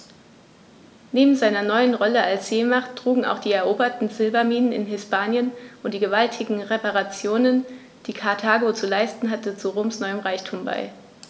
Neben seiner neuen Rolle als Seemacht trugen auch die eroberten Silberminen in Hispanien und die gewaltigen Reparationen, die Karthago zu leisten hatte, zu Roms neuem Reichtum bei.